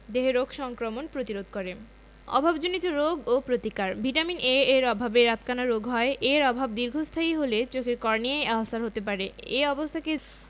দেহে রোগ সংক্রমণ প্রতিরোধ করে অভাবজনিত রোগ ও প্রতিকার ভিটামিন A এর অভাবে রাতকানা রোগ হয় এর অভাব দীর্ঘস্থায়ী হলে চোখের কর্নিয়ায় আলসার হতে পারে এ অবস্থাকে